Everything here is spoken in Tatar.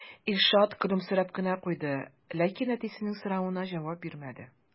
Илшат көлемсерәп кенә куйды, ләкин әтисенең соравына җавап бирмәде.